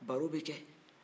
baro bɛ kɛ